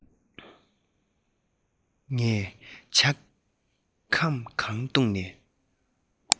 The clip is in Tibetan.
ངས ཇ ཁམ གང འཐུང